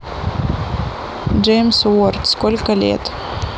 джеймс уорд сколько лет